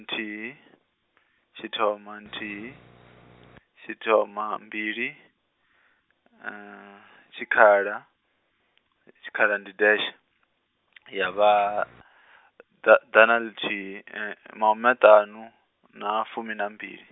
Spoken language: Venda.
nthihi, tshithoma nthihi, tshithoma mbili, tshikhala, tshikhala ndi dash ya vha, da, ḓana ḽithihi, mahumi maṱanu na fumi na mbili.